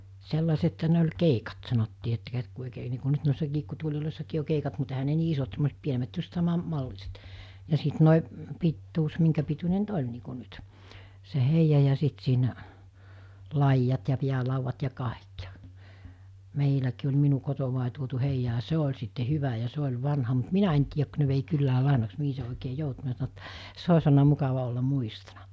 sellaisethan ne oli keikat sanottiin että - kun oikein niin kuin nyt noissa kiikkutuoleissakin on keikat mutta eihän ne niin isot semmoiset pienemmät just - saman malliset ja sitten nuo pituus minkä pituinen nyt oli niin kuin nyt se heija ja sitten siinä laidat ja päälaudat ja kaikki ja meilläkin oli minun kotoa tuotu heija ja se oli sitten hyvä ja se oli vanha mutta minä en tiedä kun ne vei kylään lainaksi mihin se oikein joutui minä sanoin että se olisi ollut mukava olla muistona